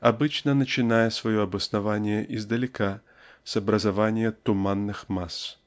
обычно начиная свое обоснование издалека с образования туманных масс.